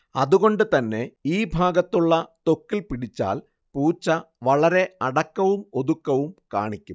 അതുകൊണ്ട് തന്നെ ഈ ഭാഗത്തുള്ള ത്വക്കിൽ പിടിച്ചാൽ പൂച്ച വളരെ അടക്കവും ഒതുക്കവും കാണിക്കും